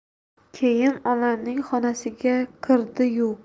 keyin onamning xonasiga kirdi yu